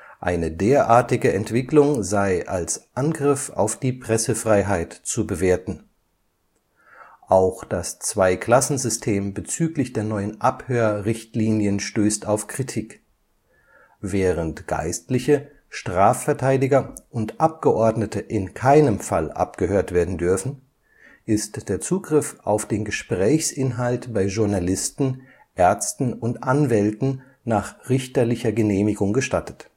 Eine derartige Entwicklung sei als Angriff auf die Pressefreiheit zu bewerten. Auch das Zweiklassensystem bezüglich der neuen Abhörrichtlinien stößt auf Kritik. Während Geistliche, Strafverteidiger und Abgeordnete in keinem Fall abgehört werden dürfen, ist der Zugriff auf den Gesprächsinhalt bei Journalisten, Ärzten und Anwälten nach richterlicher Genehmigung gestattet